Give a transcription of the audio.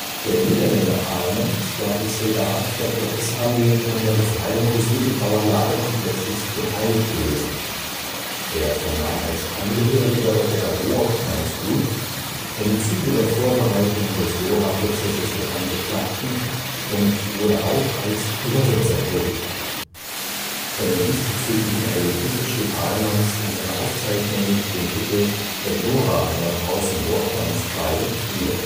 Der Niederländer Aalmans war als Soldat der US-Armee an der Befreiung des Mittelbauer Lagerkomplexes beteiligt gewesen. Er vernahm als Angehöriger der War Crimes Group im Zuge der Vorbereitung des Dora-Prozesses die Angeklagten und wurde auch als Übersetzer tätig. Seine diesbezüglichen Erlebnisse schrieb Aalmans in seiner Aufzeichnung mit dem Titel The „ Dora “- Nordhausen War Crimes Trial nieder